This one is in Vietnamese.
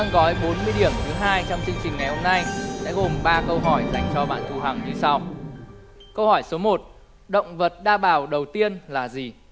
vâng gói bốn mươi điểm thứ hai trong chương trình ngày hôm nay sẽ gồm ba câu hỏi dành cho bạn thu hằng như sau câu hỏi số một động vật đa bào đầu tiên là gì